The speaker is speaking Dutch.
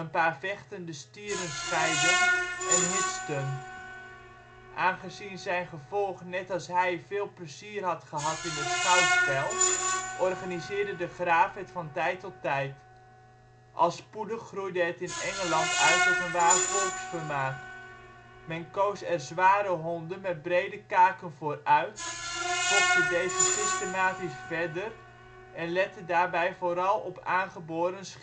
paar vechtende stieren scheidden en hitsten. Aangezien zijn gevolg net als hij veel plezier had gehad in het schouwspel, organiseerde de graaf het van tijd tot tijd. Al spoedig groeide het in Engeland uit tot een waar volksvermaak. Men koos er zware honden met brede kaken voor uit, fokte deze systematisch verder en lette daarbij vooral op aangeboren